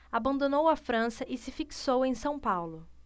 abandonou a frança e se fixou em são paulo